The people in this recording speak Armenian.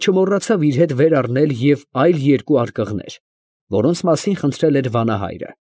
Չմոռացավ իր հետ վեր առնել և այլ երկու արկղներ, որոնց մասին խնդրել էր վանահայրը։